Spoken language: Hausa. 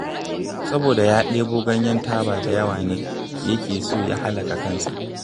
Saboda ya ɗebo ganyayen taba da yawa ne yake so ya halaka kansa.